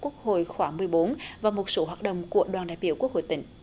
quốc hội khóa mười bốn và một số hoạt động của đoàn đại biểu quốc hội tỉnh